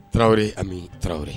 Tarawelere ani tarawelere